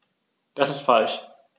Das ist falsch.